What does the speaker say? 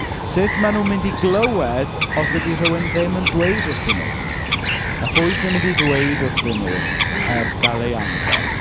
Sut maen nhw'n mynd i glywed os ydy rhywun ddim yn dweud wrthyn nhw? A phwy sy'n mynd i ddweud wrthyn nhw heb gael eu hanfon?